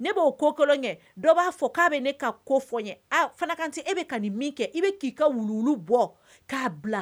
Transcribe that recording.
Ne b'o ko kolonlɔn ɲɛ dɔ b'a fɔ k'a bɛ ne ka ko fɔ n kante e bɛ ka nin min kɛ i bɛ k'i ka wulu bɔ k'a bila